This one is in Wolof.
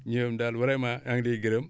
ñoom daal vraiment maa ngi lay gërëm